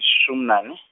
shumi nane.